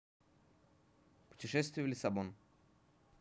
путешествие в лиссабон